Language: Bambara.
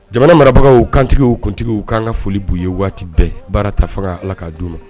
Jamana marabagaw kantigi kuntigi kan ka foli b'u ye waati bɛɛ baarata faga ala k kaa don u ma